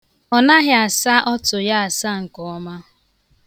Ọ naghị asa ọtụ ya asa nke ọma.